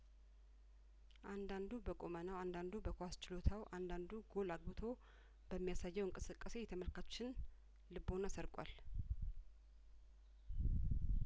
አንዳንዱ በቁመናው አንዳንዱ በኳስ ችሎታው አንዳንዱ ጐል አግብቶ በሚያሳየው እንቅስቃሴ የተመልካችን ልቦና ሰርቋል